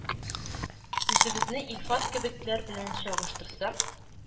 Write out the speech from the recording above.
Үзебезне Илфат кебекләр белән чагыштырсак,